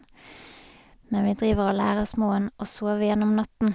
Men vi driver og lærer småen å sove gjennom natten.